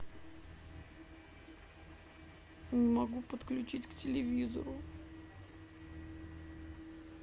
не могу подключить к телевизору